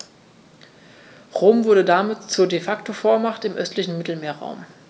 Rom wurde damit zur ‚De-Facto-Vormacht‘ im östlichen Mittelmeerraum.